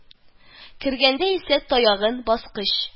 Кергәндә исә таягын баскыч